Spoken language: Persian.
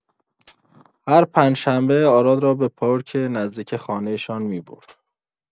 هر پنج‌شنبه، آراد را به پارک نزدیک خانه‌شان می‌برد.